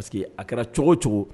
Parce que a kɛra cogo o cogo